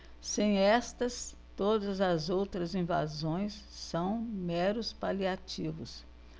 sem estas todas as outras invasões são meros paliativos